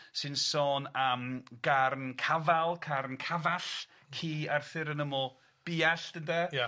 sy'n sôn am garn cafal, carn cafall, ci Arthur yn yml buallt ynde. Ia.